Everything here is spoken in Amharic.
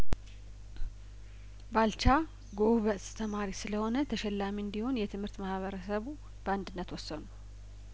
ባልቻ ጐበዝ ተማሪ ስለሆነ ተሸላሚ እንዲሆን የትምህርት ማህበረሰቡ በአንድነት ወሰኑ